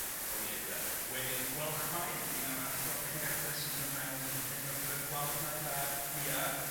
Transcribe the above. Ma' wych de. A wedyn Gwalchmai, un arall o'r cymeriada sydd yn ymddangos yn y llen Arthuraid Gwalchmai fab Gwiar.